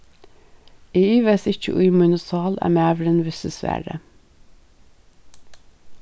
eg ivaðist ikki í míni sál at maðurin visti svarið